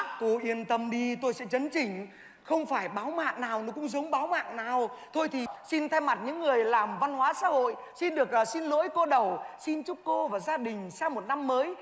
cô yên tâm đi tôi sẽ chấn chỉnh không phải báo mạng nào cũng giống báo mạng nào thôi thì xin thay mặt những người làm văn hóa xã hội xin được à xin lỗi cô đẩu xin chúc cô và gia đình sang một năm mới